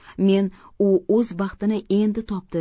men u o'z baxtini endi topdi